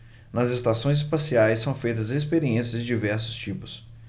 nas estações espaciais são feitas experiências de diversos tipos